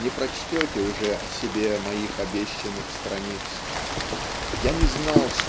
не прочтете уже о себе моих обещанных страниц. Я не знал